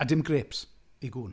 A dim grapes i gŵn.